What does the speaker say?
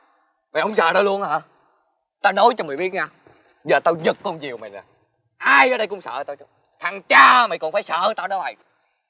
mày không sợ tao luôn ấy hả tao nói cho mày biết nha giờ tao giật con diều mày này ai ra đây cũng sợ hết á thằng cha mày còn phải sợ tao nữa mày